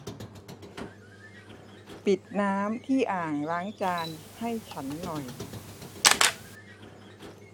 ปิดน้ำที่อ่างล้างจานให้ฉันหน่อย